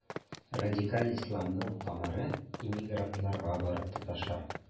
Радикаль исламның тамыры иммигрантларга барып тоташа.